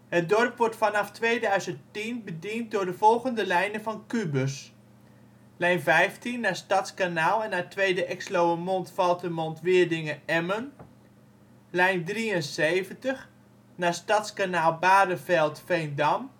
Het dorp wordt vanaf 2010 bediend door de volgende lijnen van Qbuzz: lijn 15 naar Stadskanaal en naar Tweede Exloërmond-Valthermond-Weerdinge-Emmen lijn 73 naar Stadskanaal-Bareveld-Veendam